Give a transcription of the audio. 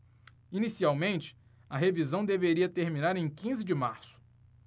inicialmente a revisão deveria terminar em quinze de março